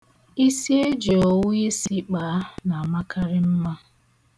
Isi eji owu isi kpaa na-amakari mma.